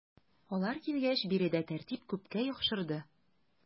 Алар килгәч биредә тәртип күпкә яхшырды.